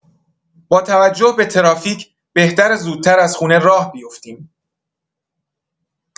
باتوجه به ترافیک، بهتره زودتر از خونه راه بیفتیم.